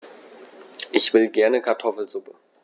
Ich will gerne Kartoffelsuppe.